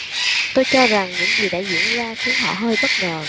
tôi cho rằng những gì đã diễn ra khiến họ hơi bất ngờ